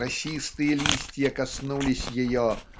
росистые листья коснулись ее